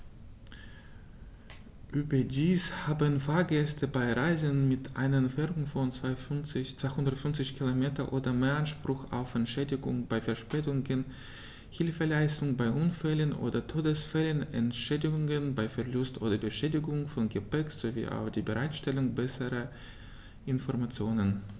Überdies haben Fahrgäste bei Reisen mit einer Entfernung von 250 km oder mehr Anspruch auf Entschädigung bei Verspätungen, Hilfeleistung bei Unfällen oder Todesfällen, Entschädigung bei Verlust oder Beschädigung von Gepäck, sowie auf die Bereitstellung besserer Informationen.